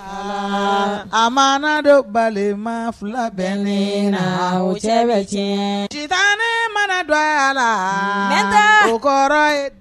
A mana dɔn balima 2 bɛnen la , a cɛ bɛ tiɲɛ. Sitanɛ mana don a la, Sinɛnta, o kɔrɔ ye